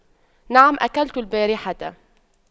نعم أكلت البارحة